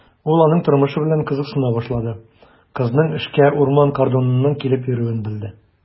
Ул аның тормышы белән кызыксына башлады, кызның эшкә урман кордоныннан килеп йөрүен белде.